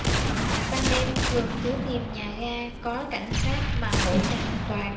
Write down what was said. ban đêm cường cứ tìm nhà ga có cảnh sát mà ngủ cho an toàn